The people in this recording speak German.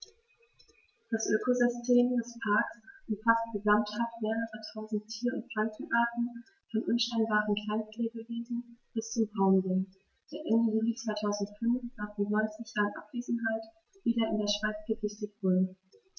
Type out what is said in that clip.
Das Ökosystem des Parks umfasst gesamthaft mehrere tausend Tier- und Pflanzenarten, von unscheinbaren Kleinstlebewesen bis zum Braunbär, der Ende Juli 2005, nach rund 90 Jahren Abwesenheit, wieder in der Schweiz gesichtet wurde.